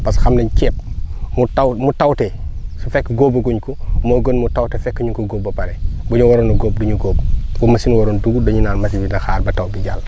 parce que xam nañ ceeb mu taw mu tawte su fekk gooob guñ ko moo gën mu tawte fekk ñu ngi ko goooob ba pare bu ñu waroon a gooob duñu goooob bu machine yi waroon dugg dañuy naan machine yi na xaar ba taw bi jàll